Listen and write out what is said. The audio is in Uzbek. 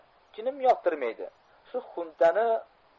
jinim yoqtirmaydi shu xuntani